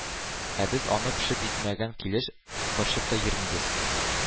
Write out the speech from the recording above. Ә без аны пешеп җитмәгән килеш борчып та йөрмибез.